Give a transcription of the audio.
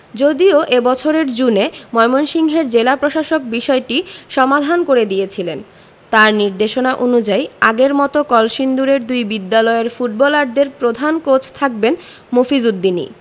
যদিও এ বছরের জুনে ময়মনসিংহের জেলা প্রশাসক বিষয়টির সমাধান করে দিয়েছিলেন তাঁর নির্দেশনা অনুযায়ী আগের মতো কলসিন্দুরের দুই বিদ্যালয়ের ফুটবলারদের প্রধান কোচ থাকবেন মফিজ উদ্দিনই